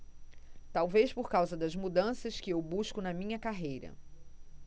talvez por causa das mudanças que eu busco na minha carreira